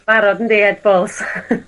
...barod yndi Ed Balls.